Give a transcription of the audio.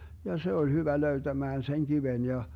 ja se oli hyvä löytämään sen kiven ja